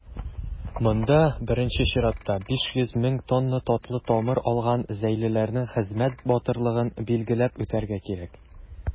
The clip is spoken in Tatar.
Монда, беренче чиратта, 500 мең тонна татлы тамыр алган зәйлеләрнең хезмәт батырлыгын билгеләп үтәргә кирәк.